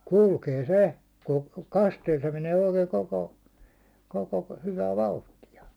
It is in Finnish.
kulkee se kun kasteella se menee oikein koko koko hyvä vauhtia